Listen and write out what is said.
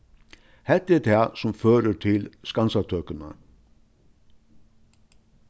hetta er tað sum førir til skansatøkuna